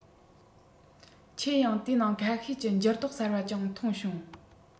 ཁྱེད ཡང དེའི ནང ཁ ཤས ཀྱི འགྱུར ལྡོག གསར པ ཀྱང མཐོང བྱུང